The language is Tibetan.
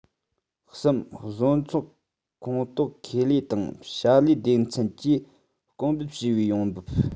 གསུམ བཟོ ཚོགས ཁོངས གཏོགས ཁེ ལས དང བྱ ལས སྡེ ཚན གྱིས གོང འབུལ བྱས པའི ཡོང འབབ